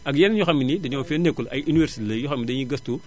ak yeneen yoo xam ne nii dañu fee nekkul ay Université la yoo xam ne dañuy gëstu